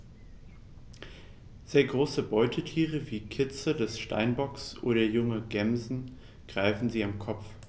Sehr große Beutetiere wie Kitze des Steinbocks oder junge Gämsen greifen sie am Kopf.